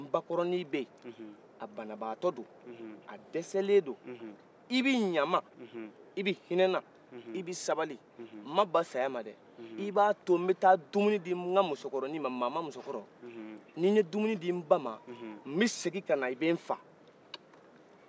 a ko nba kɔrɔnin bɛ ye a bana batɔ don a dɛsɛlen don i bɛ y'an ma i bɛ hinɛnan i bɛ sabali ma ban sayama dɛ i ba to nbɛ ta dumuni di nka musokɔrɔnin ma mama musokɔrɔ nin ye dumuni d'i nba ma nbɛ segin kana i bɛ faa